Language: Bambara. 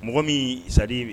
Mɔgɔ min sadi min